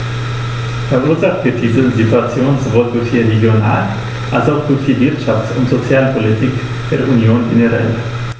Verursacht wird diese Situation sowohl durch die Regional- als auch durch die Wirtschafts- und Sozialpolitik der Union generell.